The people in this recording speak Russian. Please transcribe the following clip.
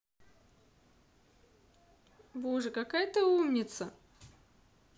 боже какая ты умница